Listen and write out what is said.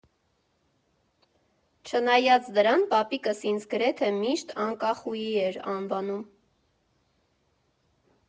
Չնայած դրան, պապիկս ինձ գրեթե միշտ Անկախուհի էր անվանում։